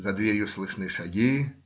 За дверью слышны шаги